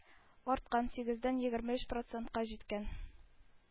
Арткан: сигездән егерме өч процентка җиткән.